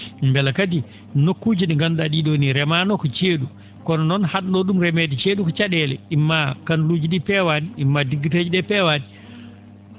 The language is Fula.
mbela kadi nokkuuji ?i ngandu?aa ?ii ?oo ?ii remanooko cee?u kono noon ha?noo ?um remeede cee?u ko ca?eele imma kanaluuji ?ii peewaani imma diggateeje ?ee peewaani